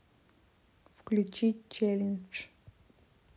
включи челлендж